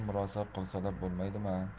murosa qilsalar bo'lmaydimi a